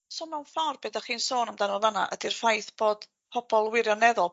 So mewn ffor be' 'dach chi'n sôn amdano fan 'na ydi'r ffaith bod pobol wirioneddol